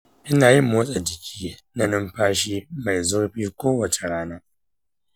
ina yin motsa jiki na numfashi mai zurfi kowace rana.